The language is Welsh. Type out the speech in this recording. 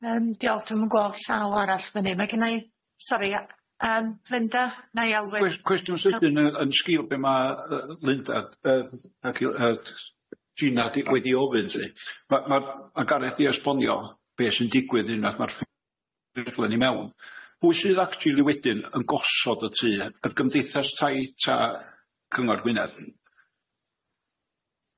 Yym diolch dwi'm yn gweld llaw arall fyny ma' gynna i sori yym Linda wna i alw e... Cwestiwn sydyn yy yn sgil be' ma' yy Linda yy ac yy Gina di, wedi ofyn ti ma' ma' ma' Gareth di esbonio be' sy'n digwydd unwaith ma'r ffe- ffuglen i mewn, pwy sydd actually wedyn yn gosod y tŷ, yr gymdeithas tai ta cyngor Gwynedd?